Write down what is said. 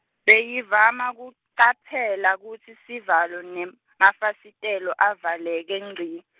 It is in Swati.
beyivama kucaphela kutsi sivalo nem- -mafasitelo avaleke ngci.